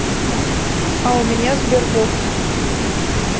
а у меня sberbox